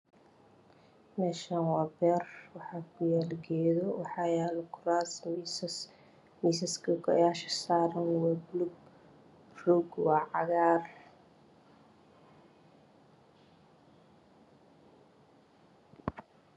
Meshan waa beer waxa kuyalo geedo waxa yalo kuras misas misaka goyashi sarsn waa balug roga waa cagar